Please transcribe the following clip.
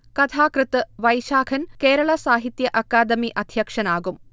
കഥാകൃത്ത് വൈശാഖൻ കേരള സാഹിത്യ അക്കാദമി അദ്ധ്യക്ഷനാകും